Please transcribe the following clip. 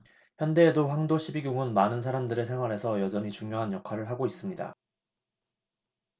현대에도 황도 십이궁은 많은 사람들의 생활에서 여전히 중요한 역할을 하고 있습니다